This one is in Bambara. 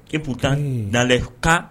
Ep'u taa naka